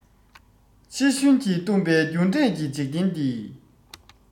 ཕྱི ཤུན གྱིས བཏུམ པའི རྒྱུ འབྲས ཀྱི འཇིག རྟེན འདི